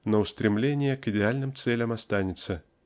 но устремление к идеальным целям останется.